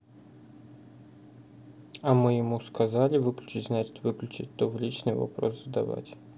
а мы ему сказали выключить значит выключить что то личный вопрос задавать